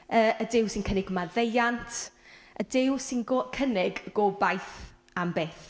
Yy y Duw sy'n cynnig maddeuant, y Duw sy'n go- cynnig gobaith am byth.